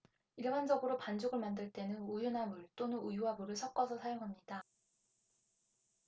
일반적으로 반죽을 만들 때는 우유나 물 또는 우유와 물을 섞어서 사용합니다